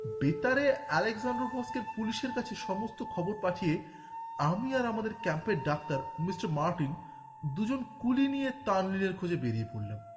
বেতার আলেক্সান্দ্রভস্কের পুলিশের কাছে সমস্ত খবর পাঠিয়ে আমিও আমাদের ক্যাম্পের ডাক্তার মিস্টার মার্টিন দুজন কুলি নিয়ে তানলিনের খোঁজে বেরিয়ে পড়লাম